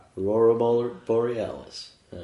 Bore- Borealis ia.